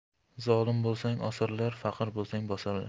zolim bo'lsang osarlar faqir bo'lsang bosarlar